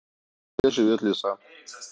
где живет лиса